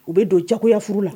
U bɛ don jagoya furu la